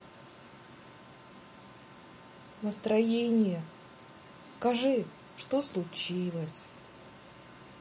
настроение скажи что случилось